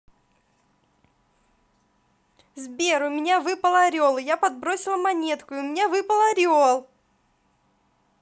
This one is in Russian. сбер у меня выпал орел я подбросила монетку и у меня выпал орел